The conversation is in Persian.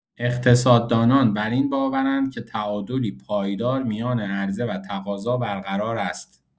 اقتصاددانان بر این باورند که تعادلی پایدار میان عرضه و تقاضا برقرار است.